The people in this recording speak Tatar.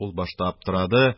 Ул башта аптырады,